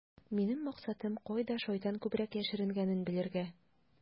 Минем максатым - кайда шайтан күбрәк яшеренгәнен белергә.